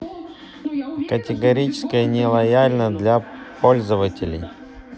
категоричная не лояльна для пользователей